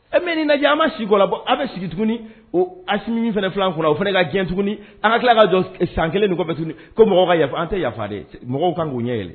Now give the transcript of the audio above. E mais ni lajɛ an b'an si k'o la bɔ aw b'aw sigi tuguni o Asimi min filɛ an kunna o fana ka tiɲɛ tuguni, an ka tila ka san kelen nin kɔfɛ tuguni ko mɔgɔw ka yafa an tɛ yafa dɛ mɔgɔw kan k'u ɲɛ yɛlɛ